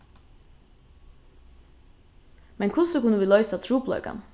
men hvussu kunnu vit loysa trupulleikan